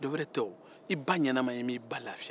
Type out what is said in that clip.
dɔwɛrɛ tɛ o i m'i ba ɲɛnama lafiya